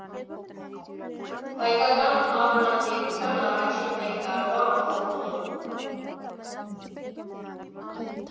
Հայկական ավիաընկերության առաջին մեկ տարվա ամփոփումը։